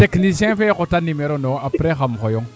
technicien fee xota numero ne wo' apres xam xooyong